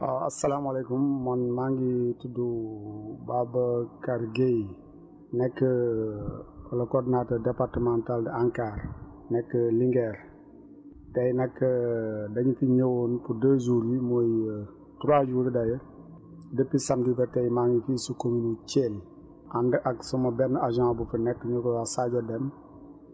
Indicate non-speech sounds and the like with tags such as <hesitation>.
waaw asalaamaaleykum man maa ngi tudd <hesitation> Babacar Guèye nekk <hesitation> le coordinateur départemental ANCAR nekk Linguère tay nag <hesitation> dañ fi ñëwoon pour deux jours yi mooy trois jours yi d' ailleurs depuis samedi ba tay maa ngi fii si commune Thiel ànd ak sama benn agent bu fi nekk ñu koy wax Sadio Deme